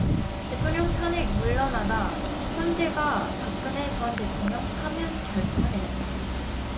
대통령 탄핵 물러나다 헌재가 박근혜 전 대통령 파면 결정을 내렸다